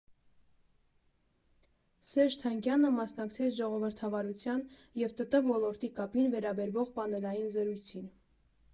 Սերժ Թանկյանը մասնակցեց ժողովրդավարություն և ՏՏ ոլորտի կապին վերաբերող պանելային զրույցին։